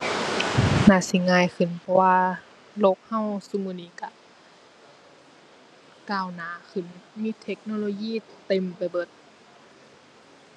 น่าสิง่ายขึ้น เพราะว่าโลกเราซุมื้อนี้เรา ก้าวหน้าขึ้นมีเทคโนโลยีเต็มไปเบิด